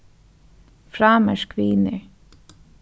frámerk vinir